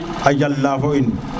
a jal na fo in